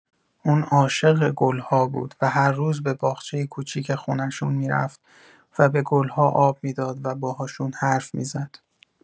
اون عاشق گل‌ها بود و هر روز به باغچه کوچیک خونه‌شون می‌رفت و به گل‌ها آب می‌داد و باهاشون حرف می‌زد.